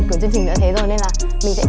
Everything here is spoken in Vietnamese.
mình sẽ